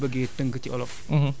bu ñu ko bëggee tënk ci olof